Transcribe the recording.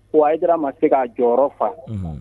A jira ma se k'a jɔyɔrɔ faga